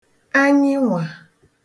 anyịnwà